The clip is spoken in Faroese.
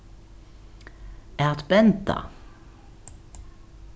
at benda